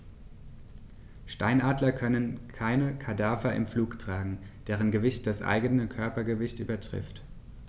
Steinadler können keine Kadaver im Flug tragen, deren Gewicht das eigene Körpergewicht übertrifft.